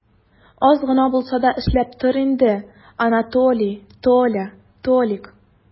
Аз гына булса да эшләп тор инде, Анатолий, Толя, Толик!